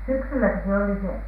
syksylläkö se oli se